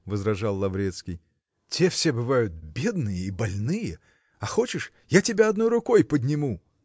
-- возражал Лаврецкий, -- те все бывают бледные и больные -- а хочешь, я тебя одной рукой подниму?